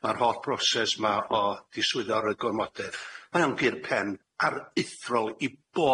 ma'r holl broses 'ma o diswyddo ar y gormodedd mae o'n gyr pen aruthrol i